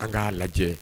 An k'a lajɛ